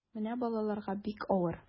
Менә балаларга бик авыр.